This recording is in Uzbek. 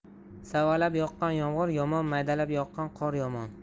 savalab yoqqan yomg'ir yomon maydalab yoqqan qor yomon